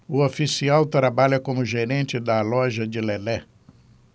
o oficial trabalha como gerente da loja de lelé